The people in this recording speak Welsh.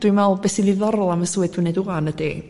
dwi'n me'l be' sy'n ddiddorol am y swydd dwi'n neud wan ydi